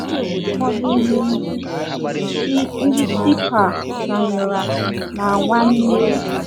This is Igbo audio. Ọ na-edekọ ụfọdụ ihe ndị Shilpa Sayura na-anwa imeri.